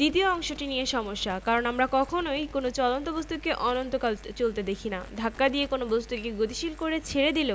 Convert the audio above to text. বস্তুর গতির উপর ঘর্ষণের প্রভাব বিশ্লেষণ করতে পারব ঘর্ষণ হ্রাস বৃদ্ধি করার